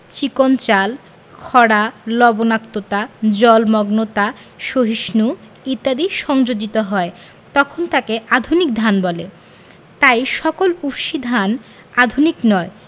চিকন চাল খরা লবনাক্ততা জলমগ্নতা সহিষ্ণু ইত্যাদি সংযোজিত হয় তখন তাকে আধুনিক ধান বলে তাই সকল উফশী ধান আধুনিক নয়